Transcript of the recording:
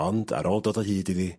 Ond ar ôl dod o hyd iddi